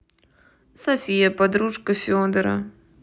софия подружка федора